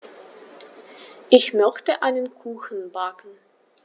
Ich möchte einen Kuchen backen.